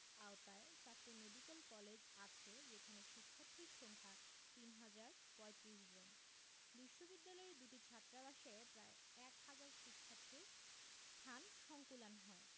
আওতায় চারটি medical college আছে যেখানে শিক্ষার্থীর সংখ্যা ৩ হাজার ৩৫ জন বিশ্ববিদ্যালয়ের দুটি ছাত্রাবাসে প্রায় এক হাজার শিক্ষার্থীর স্থান সংকুলান হয়